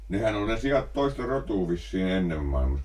nehän oli se siat toista rotua vissiin ennen maailmassa